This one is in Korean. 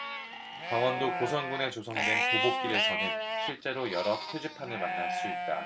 강원도 고성군에 조성된 도보길에서는 실제로 여러 표지판을 만날 수 있다